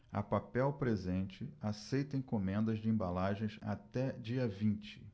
a papel presente aceita encomendas de embalagens até dia vinte